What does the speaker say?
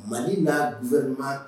Mali na wɛrɛma